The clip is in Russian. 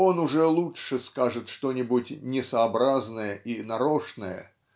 он уже лучше скажет что-нибудь несообразное и "нарочное"